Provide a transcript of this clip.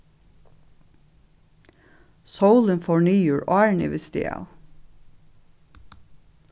sólin fór niður áðrenn eg visti av